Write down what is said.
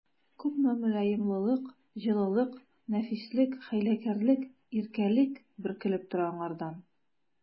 Күпме мөлаемлык, җылылык, нәфислек, хәйләкәрлек, иркәлек бөркелеп тора аңардан!